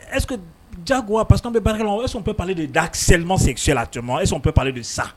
Estce que jagoya don. parceque an bi baara kɛ yɔrɔ la. est ce qu'on peut parler de harcèlement sexuel actuellement . Est ce qu'on peut parler de ça ?